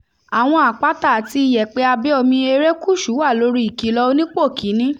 Àwọn àpáta àti iyẹ̀pẹ̀ abẹ́ omi erékùṣú wà lóri "Ìkìlọ̀ onípò kiní"